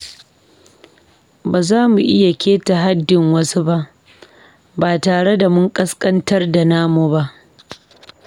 Ba za mu iya keta haddin wasu ba, ba tare da mun ƙasƙantar da namu ba.